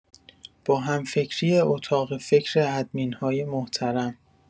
با همفکری اتاق فکر ادمین‌های محترم